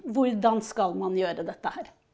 hvordan skal man gjøre dette her?